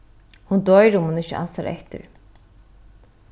hon doyr um hon ikki ansar eftir